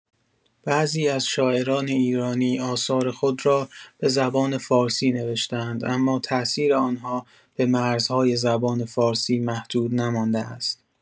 بعضی از شاعران ایرانی آثار خود را به زبان فارسی نوشته‌اند، اما تاثیر آن‌ها به مرزهای زبان فارسی محدود نمانده است.